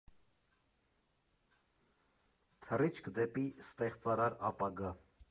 Թռիչք դեպի ստեղծարար ապագա։